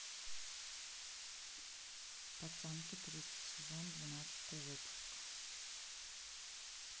пацанки третий сезон двенадцатый выпуск